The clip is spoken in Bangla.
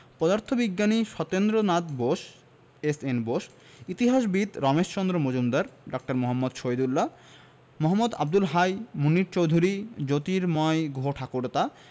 পদার্থবিজ্ঞানী সত্যেন্দ্রনাথ বোস এস.এন বোস ইতিহাসবিদ রমেশচন্দ্র মজুমদার ড. মুহাম্মদ শহীদুল্লাহ মোঃ আবদুল হাই মুনির চৌধুরী জ্যোতির্ময় গুহঠাকুরতা